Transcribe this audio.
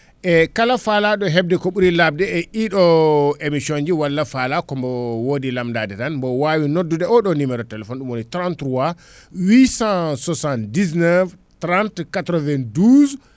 e kala falaɗo hedbe ko ɓuuri labde e ɗiɗo émission ji walla faala komo wodi lamdade tan mbo wawi naddude oɗo numéro téléphone ɗum woni 33 879 30 92